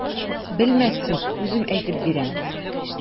Белмәссез, үзем әйтеп бирәм.